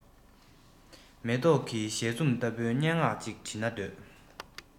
མེ ཏོག གི བཞད འཛུམ ལྟ བུའི སྙན ངག ཅིག འབྲི ན འདོད